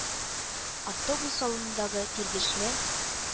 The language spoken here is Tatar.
Автобус салонындагы тиргешле,